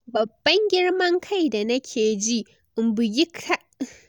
“Babban girman kai da nake ji, in bugi Tiger Woods, na girma ina kallon wannan mutumin, "cewar Rahm mai shekaru 23.